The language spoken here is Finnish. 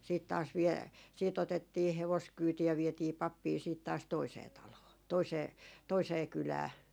sitten taas - sitten otettiin hevoskyyti ja vietiin pappia sitten taas toiseen taloon toiseen toiseen kylään